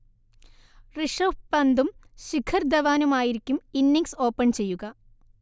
ഋഷഭ് പന്തും ശിഖർ ധവാനുമായിരിക്കും innings open ചെയ്യുക